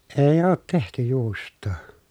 ei ole tehty juustoa